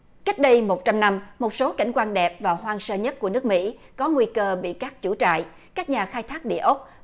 cách đây một trăm năm một số cảnh quan đẹp và hoang sơ nhất của nước mỹ có nguy cơ bị các chủ trại các nhà khai thác địa ốc